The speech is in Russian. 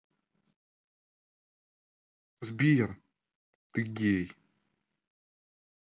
сбер ты гей